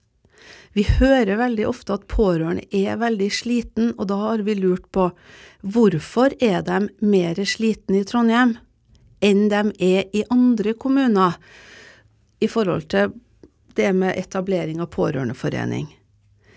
vi hører veldig ofte at pårørende er veldig sliten og da har vi lurt på hvorfor er dem mere sliten i Trondheim enn dem er i andre kommuner i forhold til det med etablering av pårørendeforening.